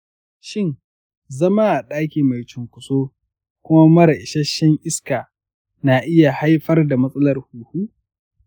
shin zama a ɗaki mai cunkoso kuma mara isasshen iska na iya haifar da matsalar huhu?